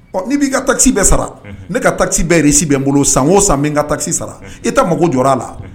Ɔ n ni b'i ka tasi bɛɛ sara ne ka tasi bɛɛ si bɛ n bolo san o san n ka tasi sara i tɛ mago jɔ a la